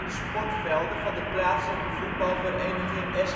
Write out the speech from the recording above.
sportvelden van de plaatselijke voetbalvereniging SHE